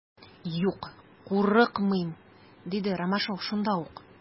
Юк, курыкмыйм, - диде Ромашов шунда ук.